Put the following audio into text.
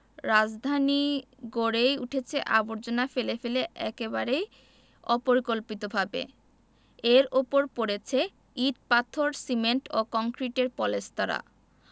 রাজধানী গড়েই উঠেছে আবর্জনা ফেলে ফেলে একেবারেই অপরিকল্পিতভাবে এর ওপর পড়েছে ইট পাথর সিমেন্ট ও কংক্রিটের পলেস্তারা